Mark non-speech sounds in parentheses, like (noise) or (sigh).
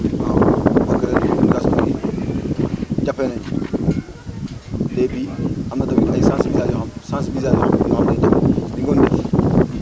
(noise) waaw parce que heure bii population bi (noise) jàppee nañ ko (noise) te et puis am na tamit ay sensibilisations (noise) sensebilisation yoo xamante ne ñu ngi doon def